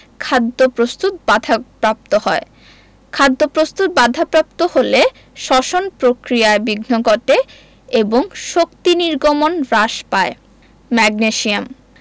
খাদ্য প্রস্তুত বাধাপ্রাপ্ত হয় খাদ্যপ্রস্তুত বাধাপ্রাপ্ত হলে শ্বসন প্রক্রিয়ায় বিঘ্ন ঘটে এবং শক্তি নির্গমন হ্রাস পায় ম্যাগনেসিয়াম